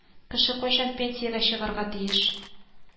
Кеше кайчан пенсиягә чыгарга тиеш